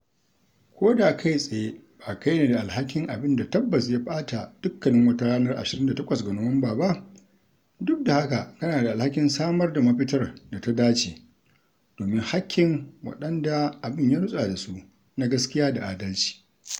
Ko da kai tsaye ba kai ne da alhakin abin da tabbas ya ɓata dukkanin wata ranar 28 ga Nuwamba ba, duk da haka kana da alhakin samar da mafitar da ta dace domin haƙƙin waɗanda abin ya rutsa da su na gaskiya da adalci …